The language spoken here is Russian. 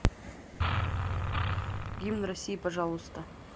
гимн россии пожалуйста